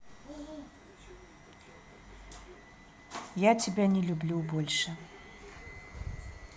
я тебя не люблю больше